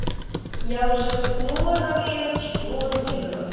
я уже кукнула на время чихнула негром